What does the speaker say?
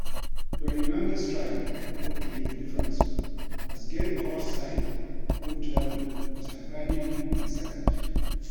Dolly Menga's strike proved to be the difference as Gary Holt's side moved level with Hibernian in second.